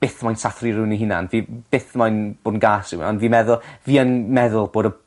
byth mo'yn sathru rhwyn 'i hunan fi byth mo'yn bod yn gas i ywun on' fi'n meddwl f fi yn meddwl bod y